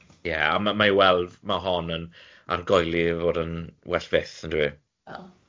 Ie a ma- ma- ma'i weld ma' hon yn argoeli i fod yn well fyth yn dyw hi?